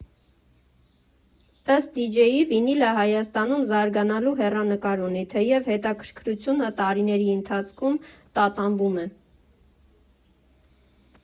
Ըստ դիջեյի՝ վինիլը Հայաստանում զարգանալու հեռանկար ունի, թեև հետաքրքրությունը տարիների ընթացքում տատանվում է։